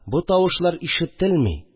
Бу тавышлар ишетелми